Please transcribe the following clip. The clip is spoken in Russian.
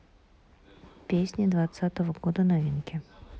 песни двадцатого года новинки